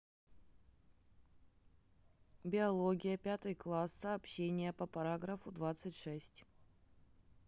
биология пятый класс сообщение по параграфу двадцать шесть